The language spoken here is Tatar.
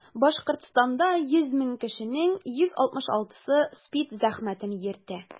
Башкортстанда 100 мең кешенең 166-сы СПИД зәхмәтен йөртә.